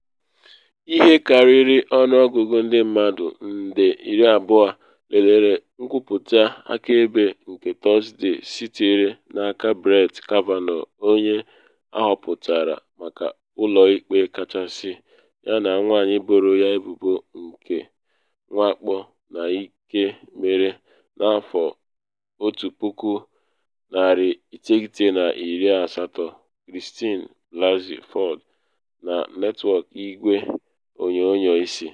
Ihe karịrị ọnụọgụ ndị mmadụ nde 20 lelere nkwupụta akaebe nke Tọsde sitere n’aka Brett Kavanaugh onye ahọpụtara maka Ụlọ Ikpe Kachasị yana nwanyị boro ya ebubo nke mwakpo n’ike mere na 1980, Christine Blasey Ford, na netwọk igwe onyonyoo isi.